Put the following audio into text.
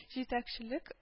Җитәкчелек